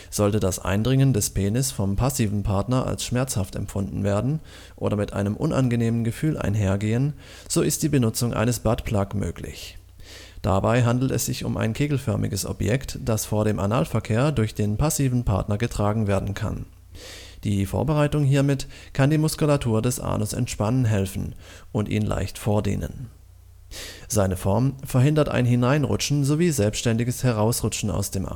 Sollte das Eindringen des Penis vom passiven Partner als schmerzhaft empfunden werden oder mit einem unangenehmen Gefühl einhergehen, so ist die Benutzung eines Butt Plug möglich. Dabei handelt es sich um ein kegelförmiges Objekt, das vor dem Analverkehr durch den passiven Partner getragen werden kann. Die Vorbereitung hiermit kann die Muskulatur des Anus entspannen helfen und ihn leicht vordehnen. Seine Form verhindert ein Hineinrutschen sowie selbstständiges Herausrutschen aus dem